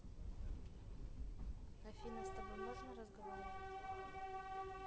афина с тобой можно разговаривать